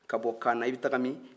a bɔ kana i bɛ taga min